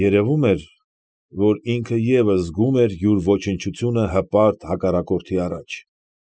Երևում էր, որ ինքն ևս զգում էր յուր ոչնչությունը հպարտ հակառակորդի առաջ։